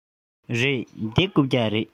རེད འདི རྐུབ བཀྱག རེད